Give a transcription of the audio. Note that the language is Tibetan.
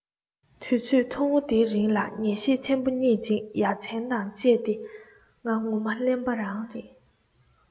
དུས ཚོད ཐུང ངུ དེའི རིང ལ ངེས ཤེས ཆེན པོ རྙེད ཅིང ཡ མཚན དང བཅས ཏེ ང ངོ མ གླེན པ རང རེད